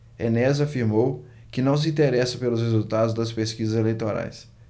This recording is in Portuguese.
enéas afirmou que não se interessa pelos resultados das pesquisas eleitorais